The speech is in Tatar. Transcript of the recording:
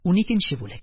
Уникенче бүлек